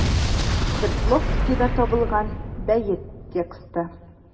Свердловскида табылган бәет тексты.